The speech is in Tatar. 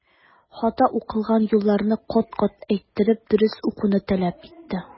Хата укылган юлларны кат-кат әйттереп, дөрес укуны таләп итте.